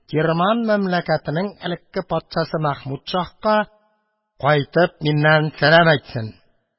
Кирман мәмләкәтенең элекке патшасы Мәхмүд шаһка, кайтып, миннән сәлам әйтсен.